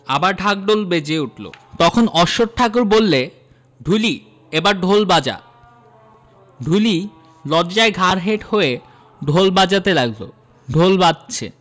আবার ঢাক ঢোল বেজে উঠল তখন অশ্বথ ঠাকুর বললে ঢুলি এইবার ঢোল বাজা ঢুলি লজ্জায় ঘাড় হেট হয়ে ঢোল বাজাতে লাগল ঢোল বাজছে